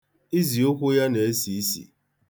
Iziukwu ya na-esi isi.